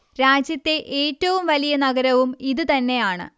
രാജ്യത്തെ ഏറ്റവും വലിയ നഗരവും ഇത് തന്നെയാണ്